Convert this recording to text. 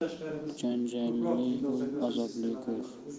janjalli uy azobli go'r